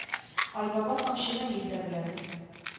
Айбаба камчыны мин дә беләм